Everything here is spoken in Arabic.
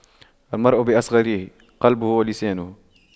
المرء بأصغريه قلبه ولسانه